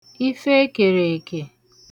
ife ekèrè èkè